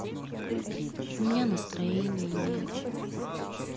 у меня настроения нет